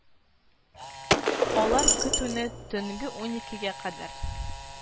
Алар көтүне төнге уникегә кадәр